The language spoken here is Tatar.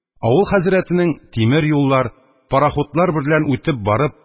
Авыл хәзрәтенең тимер юллар, парахутлар берлән үтеп барып,